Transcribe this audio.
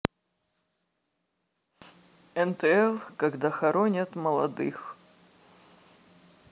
нтл когда хоронят молодых